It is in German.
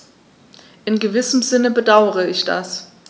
In gewissem Sinne bedauere ich das.